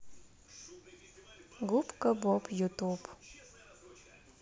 губка боб ютуб